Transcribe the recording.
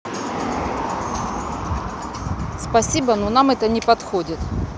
спасибо но нам это не подходит